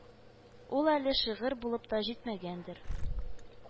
Ул әле шигырь булып та җитмәгәндер